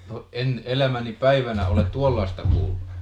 no en elämäni päivänä ole tuollaista kuullut